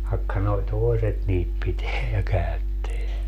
vaikka nuo toiset niitä pitää ja käyttää